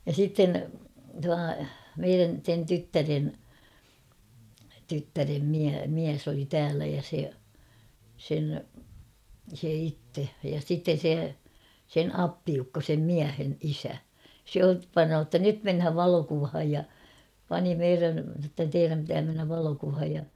ja sitten tuo meidän sen tyttären tyttären - mies oli täällä ja se sen se itse ja sitten se sen appiukko sen miehen isä se - panee että nyt mennään valokuvaan ja pani meidän sano että teidän pitää mennä valokuvaan ja